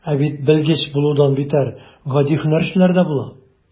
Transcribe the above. Ә бит белгеч булудан битәр, гади һөнәрчеләр дә була.